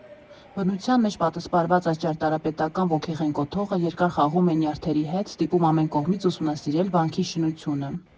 Բնության մեջ պատսպարված այս ճարտարապետական ոգեղեն կոթողը երկար խաղում է նյարդերի հետ, ստիպում ամեն կողմից ուսումնասիրել վանքի շինությունը։